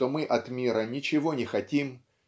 что мы от мира ничего не хотим